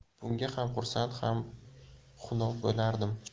bunga ham xursand ham xunob bo'lardim